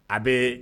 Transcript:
A bɛ